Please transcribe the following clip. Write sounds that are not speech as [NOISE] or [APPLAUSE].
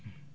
[HESITATION] [HESITATION]